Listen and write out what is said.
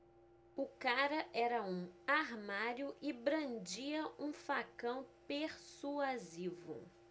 o cara era um armário e brandia um facão persuasivo